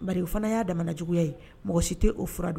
Bari o fana y'a da juguya ye mɔgɔ si tɛ o fura don